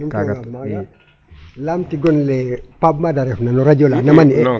I inoranga maaga laamti gon le Pape Made refna no Radio la nam a ne'e ?